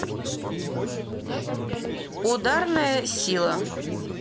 ударная сила